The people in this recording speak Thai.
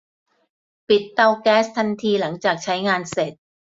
ปิดเตาแก๊สทันทีหลังจากใช้งานเสร็จ